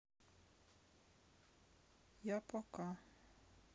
я пока